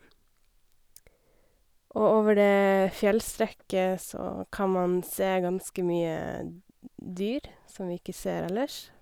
Og over det fjellstrekket så kan man se ganske mye dyr som vi ikke ser ellers.